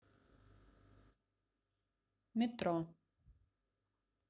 метро